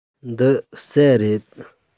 འདི ཟྭ རེད